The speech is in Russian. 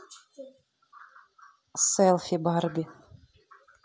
селфи барби